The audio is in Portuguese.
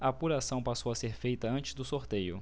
a apuração passou a ser feita antes do sorteio